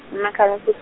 umakhalekhu-.